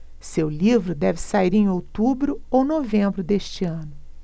seu livro deve sair em outubro ou novembro deste ano